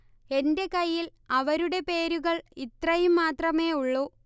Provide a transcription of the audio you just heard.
എന്റെ കയ്യിൽ അവരുടെ പേരുകൾ ഇത്രയും മാത്രമേ ഉള്ളൂ